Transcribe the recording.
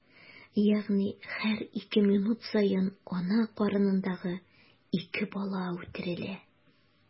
Ягъни һәр ике минут саен ана карынындагы ике бала үтерелә.